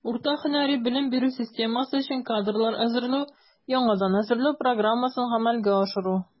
Урта һөнәри белем бирү системасы өчен кадрлар әзерләү (яңадан әзерләү) программасын гамәлгә ашыру.